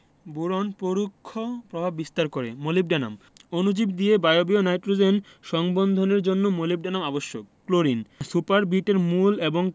boron পরোক্ষ প্রভাব বিস্তার করে মোলিবডেনাম অণুজীব দিয়ে বায়বীয় নাইট্রোজেন সংবন্ধনের জন্য মোলিবডেনাম আবশ্যক ক্লোরিন সুপারবিট এর মূল এবং